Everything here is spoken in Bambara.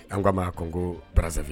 An k' a ma koko paze